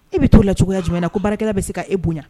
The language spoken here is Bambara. E bɛ t'o la cogoya jumɛn na ko baarakɛla bɛ sen ka e boɲa